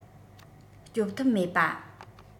སྐྱོབ ཐབས མེད པ